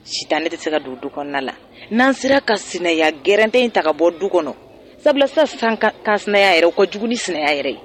Sitanɛ tɛ se ka don du kɔnɔna la, n'an sera ka sinaya gɛrɛntɛ in ta ka bɔ du kɔnɔ, sabula sisan kansinaya yɛrɛ, o ka jugu ni sinaya yɛrɛ ye.